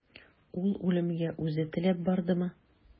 Ул үлемгә үзе теләп бардымы?